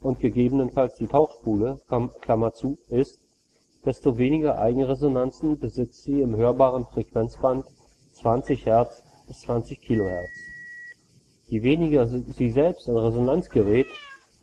und gegebenenfalls die Tauchspule) ist, desto weniger Eigenresonanzen besitzt sie im hörbaren Frequenzband (20 Hz bis 20 kHz). Je weniger sie selbst in Resonanz gerät,